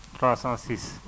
306